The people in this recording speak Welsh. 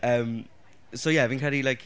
Yym, so ie fi'n credu like...